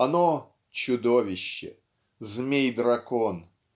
Оно -- чудовище, Змий-Дракон.